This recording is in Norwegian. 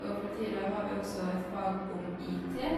Og for tida har vi også et fag om IT.